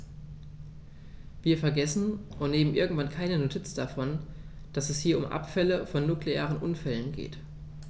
Wir vergessen, und nehmen irgendwie keine Notiz davon, dass es hier um Abfälle von nuklearen Unfällen geht.